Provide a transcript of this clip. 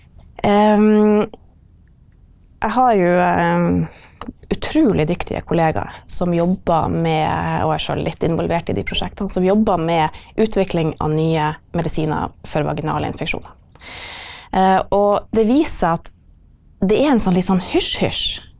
jeg har jo utrulig dyktige kollegaer som jobber med og er sjøl litt involvert i de prosjektene som jobber med utvikling av nye medisiner for vaginale infeksjoner, og det viser seg at det er en sånn litt sånn hysj-hysj.